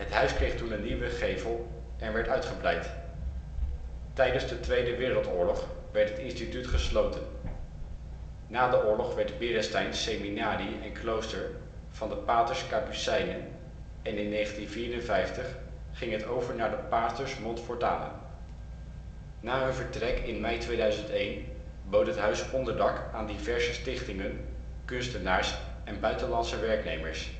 huis kreeg toen een nieuwe gevel en werd uitgebreid. Tijdens de Tweede Wereldoorlog werd het instituut gesloten. Na de oorlog werd Beresteyn seminarie en klooster van de paters Kapucijnen en in 1954 ging het over naar de paters Montfortanen. Na hun vertrek in mei 2001 bood het huis onderdak aan diverse stichtingen, kunstenaars en buitenlandse werknemers